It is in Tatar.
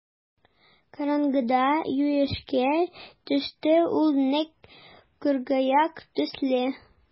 Караңгыда юешкә төште ул нәкъ кыргаяк төсле.